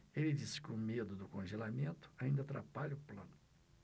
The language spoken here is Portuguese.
ele disse que o medo do congelamento ainda atrapalha o plano